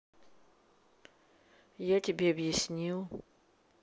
я тебе обяснил